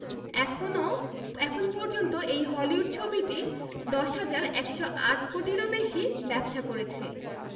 এখনও এখন পর্যন্ত এই হলিউড ছবিটি ১০১০৮ কোটিরও বেশি ব্যবসা করেছে